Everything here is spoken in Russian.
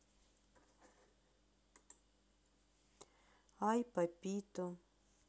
ай папито